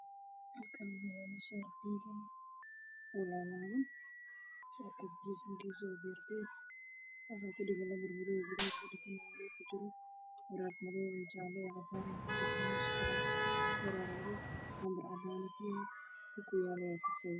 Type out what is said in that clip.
Halkani wax yaalo shaar binki ah oobcusb